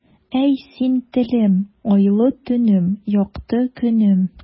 Әй, син, телем, айлы төнем, якты көнем.